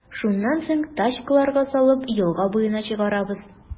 Шуннан соң, тачкаларга салып, елга буена чыгарабыз.